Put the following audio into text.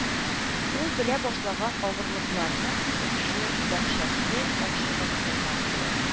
Ул белә башлаган авырлыкларның очы дәһшәтле ачлык елдан килә